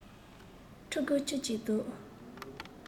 ཕྲུ གུ ཁྱུ གཅིག འདུག